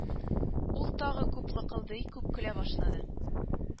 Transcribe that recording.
Ул тагы күп лыкылдый, күп көлә башлады